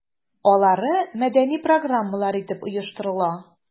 Алары мәдәни программалар итеп оештырыла.